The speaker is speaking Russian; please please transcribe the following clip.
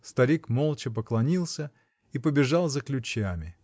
Старик молча поклонился и побежал за ключами.